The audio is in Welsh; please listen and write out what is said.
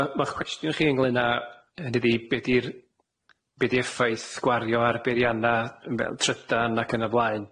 Ma' ma'ch cwestiwn chi ynglyn â hynny ydi be' di'r be' di effaith gwario ar beirianna yym fel trydan ac yn y blaen.